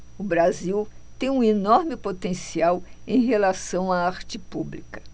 o brasil tem um enorme potencial em relação à arte pública